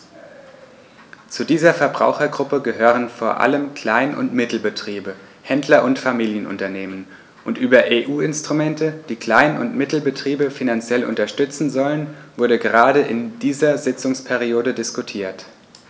Zu dieser Verbrauchergruppe gehören vor allem Klein- und Mittelbetriebe, Händler und Familienunternehmen, und über EU-Instrumente, die Klein- und Mittelbetriebe finanziell unterstützen sollen, wurde gerade in dieser Sitzungsperiode diskutiert.